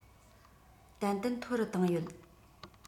ཏན ཏན མཐོ རུ བཏང ཡོད